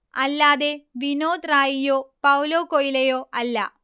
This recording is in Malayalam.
അല്ലാതെ വിനോദ് റായിയോ പൗലോ കൊയ്ലയൊ അല്ല